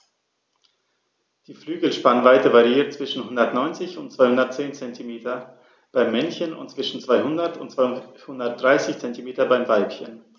Die Flügelspannweite variiert zwischen 190 und 210 cm beim Männchen und zwischen 200 und 230 cm beim Weibchen.